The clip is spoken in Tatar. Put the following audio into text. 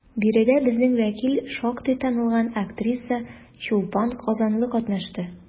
Биредә безнең вәкил, шактый танылган актриса Чулпан Казанлы катнашты.